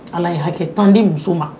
Ala ye hakɛ tan di muso ma